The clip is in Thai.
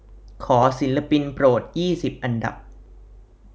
ขอศิลปินโปรดยี่สิบอันดับ